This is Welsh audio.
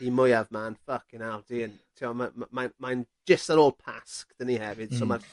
methu mwyaf man ffycin 'ell fi yn. T'mo' ma' ma' mae'n mae'n jyst ar ôl Pasg 'da ni hefyd... Hmm. ...so ma'r